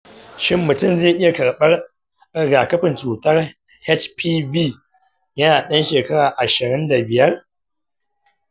shin mutum zai iya karɓar rigakafin cutar hpv yana ɗan shekara ashirin da biyar ?